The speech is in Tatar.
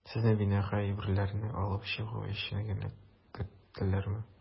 Сезне бинага әйберләрне алып чыгу өчен генә керттеләрме?